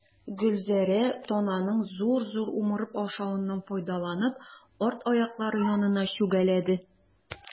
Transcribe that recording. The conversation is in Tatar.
Гөлзәрә, тананың зур-зур умырып ашавыннан файдаланып, арт аяклары янына чүгәләде.